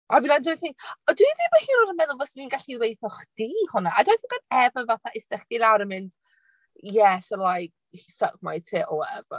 I mean I don't think... Dwi ddim hyd yn oed yn meddwl byswn ni'n gallu dweud wrtho chdi hwnna I don't think I don't think I'd ever fatha iste chdi lawr a fatha "yeah so I... he sucked my tit or whatever*".